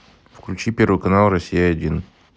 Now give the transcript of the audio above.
включи первый канал россия один